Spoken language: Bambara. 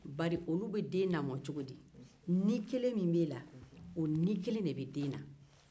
bari olu bɛ den lamɔ cogo di ni kelen min be e la o ni ni kelen bɛ den na